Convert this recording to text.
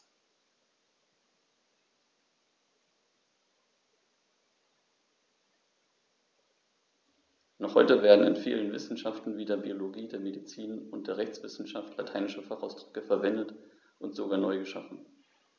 Noch heute werden in vielen Wissenschaften wie der Biologie, der Medizin und der Rechtswissenschaft lateinische Fachausdrücke verwendet und sogar neu geschaffen.